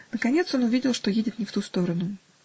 Наконец он увидел, что едет не в ту сторону.